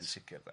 Yn sic'r 'de.